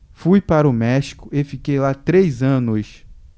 fui para o méxico e fiquei lá três anos